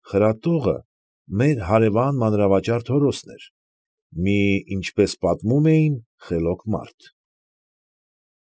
Խրատողը մեր հարևան մանրավաճառ Թորոսն էր, մի, ինչպես պատմում էին, խելոք մարդ։ ֊